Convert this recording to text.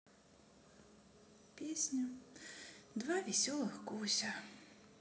песня два веселых гуся